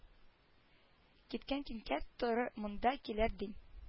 Киткән киткән туры монда киләр ди